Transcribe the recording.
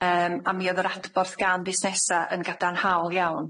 Yym a mi o'dd yr adborth gan fusnesa yn gadarnhaol iawn.